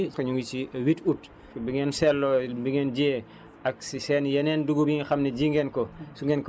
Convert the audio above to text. kañ ngeen ko ji ñu ngi ci huit août bi ngeen seetluwee bi ngeen jiyee ak si seen yeneen dugub yi nga xam ne ji ngeen ko